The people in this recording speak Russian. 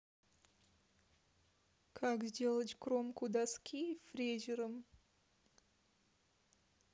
как сделать кромку доски фрезером